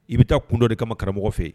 I bi taa kun dɔ de kama karamɔgɔ fe yen.